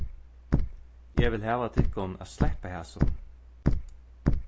eg vil hava tykkum at sleppa hasum